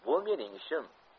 bu mening ishim